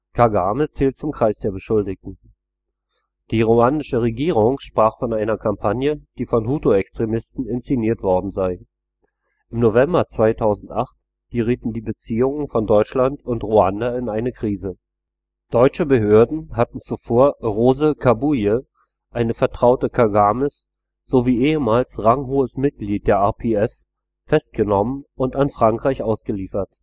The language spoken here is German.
Kagame zählt zum Kreis der Beschuldigten. Die ruandische Regierung sprach von einer Kampagne, die von Hutu-Extremisten inszeniert worden sei. Im November 2008 gerieten die Beziehungen von Deutschland und Ruanda in eine Krise. Deutsche Behörden hatten zuvor Rose Kabuye, eine Vertraute Kagames sowie ehemals ranghohes Mitglied der RPF, festgenommen und an Frankreich ausgeliefert